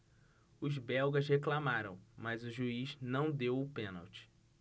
os belgas reclamaram mas o juiz não deu o pênalti